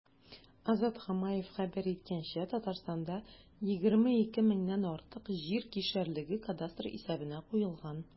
Азат Хамаев хәбәр иткәнчә, Татарстанда 22 меңнән артык җир кишәрлеге кадастр исәбенә куелган.